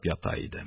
Ята идем...